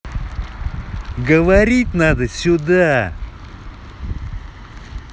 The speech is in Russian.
говорить надо сюда